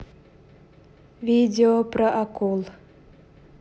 видео про акул